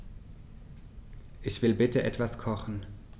Ich will bitte etwas kochen.